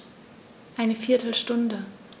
Eine viertel Stunde